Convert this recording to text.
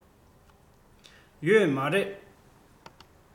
ཡོད མ རེད